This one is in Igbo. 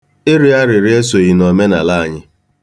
Ịrịọ arịrịọ esoghị n'omenala anyị.